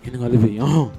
Kelenka de fɛ yanɔn